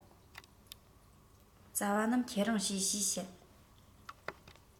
ཙ བ རྣམས ཁྱེད རང བྱོས ཞེས བཤད